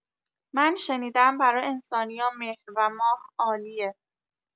من شنیدم برا انسانیا مهر و ماه عالیه